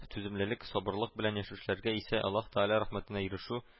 Түземлелек, сабырлык белән яшәүчеләргә исә аллаһы тәгалә рәхмәтенә ирешү